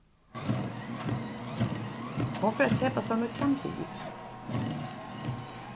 hon fer at keypa sær nýggjan bil